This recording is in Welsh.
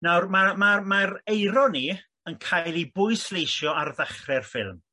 Nawr ma'r ma'r eironi yn cael ei bwysleisio ar ddechre'r ffilm.